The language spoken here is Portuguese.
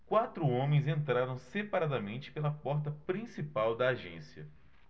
quatro homens entraram separadamente pela porta principal da agência